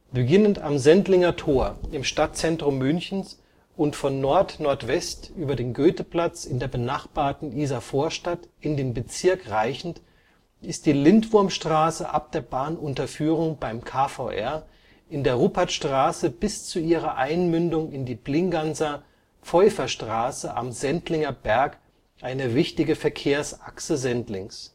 Beginnend am Sendlinger Tor im Stadtzentrum Münchens und von Nord-Nordwest über den Goetheplatz in der benachbarten Isarvorstadt in den Bezirk reichend ist die Lindwurmstraße ab der Bahnunterführung beim KVR in der Ruppertstraße bis zu ihrer Einmündung in die Plinganser -/ Pfeuferstraße am Sendlinger Berg eine wichtige Verkehrsachse Sendlings